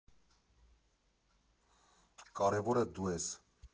Կարևորը դու ես։